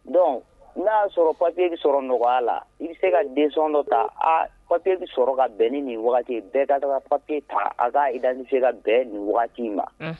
Don n'a'a sɔrɔ papi sɔrɔ nɔgɔya la i bɛ se ka densɔn dɔ ta a papi sɔrɔ ka bɛn ni bɛɛ ka taga papie ta a ka idani se ka bɛn nin waati wagati in ma